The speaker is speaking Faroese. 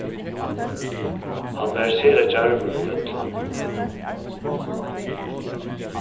hann var sera djarvur í øllum